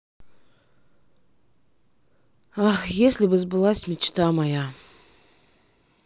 ах если бы сбылась мечта моя